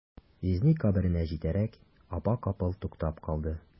Җизни каберенә җитәрәк, апа капыл туктап калды.